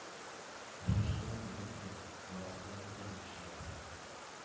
“башка шөгылем юк инде – барысы да көндәлек эшләр”, – ди